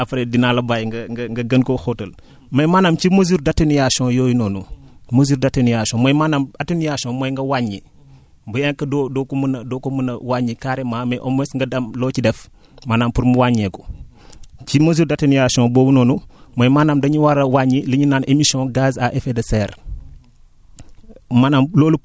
waaw xam naa ne après dinaa la bàyyi nga gën koo xóotal mais maanaam ci mesure d' aténuation yooyu noonu mesure aténuation mooy maanaam aténuation mooy nga wàññi bien que doo doo ko mën a doo ko mën a wàññi carrément mais au moins nga di am loo ci def maanaam pour pour mu wàññeeku ci mesure d' aténuation boobu noonu mooy maanaam dañu war a wàññi li ñu naan émission gaz à effet de serre